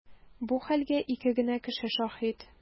Бу хәлгә ике генә кеше шаһит.